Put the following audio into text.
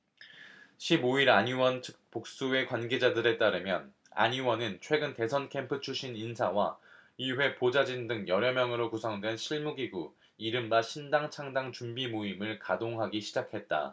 십 오 일 안 의원 측 복수의 관계자들에 따르면 안 의원은 최근 대선캠프 출신 인사와 의회 보좌진 등 열 여명으로 구성된 실무기구 이른바 신당창당준비모임을 가동 하기 시작했다